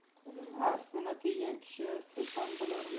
nafsini tiygan kishi sulton bo'lur